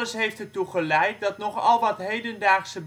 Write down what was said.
heeft ertoe geleid dat nogal wat hedendaagse